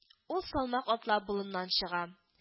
Ул салмак атлап болыннан чыга